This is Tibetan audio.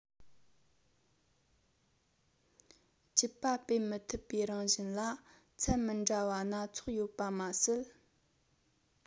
རྒྱུད པ སྤེལ མི ཐུབ པའི རང བཞིན ལ ཚད མི འདྲ བ སྣ ཚོགས ཡོད པ མ ཟད